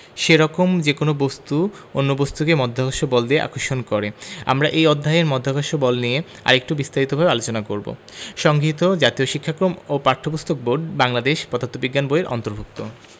সেরকম যেকোনো বস্তু অন্য বস্তুকে মহাকর্ষ বল দিয়ে আকর্ষণ করে আমরা এই অধ্যায়ে মহাকর্ষ বল নিয়ে আরেকটু বিস্তারিতভাবে আলোচনা করব সংগৃহীত জাতীয় শিক্ষাক্রম ও পাঠ্যপুস্তক বোর্ড বাংলাদেশ পদার্থ বিজ্ঞান বই এর অন্তর্ভুক্ত